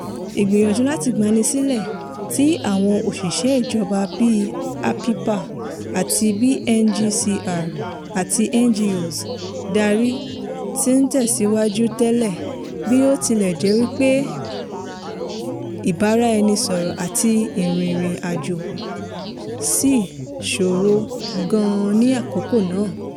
Ìgbìyànjú láti gbani sílẹ̀, tí àwọn òṣìṣẹ́ ìjọba bíi Apipa tàbí BNGCR àti NGOs dárí, ti ń tẹ̀síwájú tẹ́lẹ̀ bí ó tilẹ̀ jẹ́ pé ìbáraẹnisọ̀rọ̀ àti ìrìnrìn-àjò sì ṣòro gan-an ní àkókò náà.